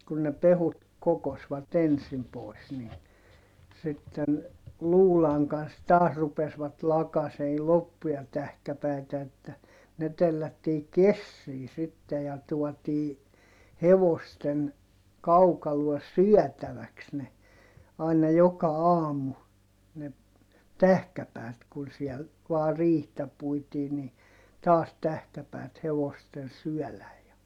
kun ne pehkut kokosivat ensin pois niin sitten luudan kanssa taas rupesivat lakaisemaan loppuja tähkäpäitä että ne tellättiin kessiin sitten ja tuotiin hevosten kaukaloon syötäväksi ne aina joka aamu ne tähkäpäät kun siellä vain riihtä puitiin niin taas tähkäpäät hevosten syödä ja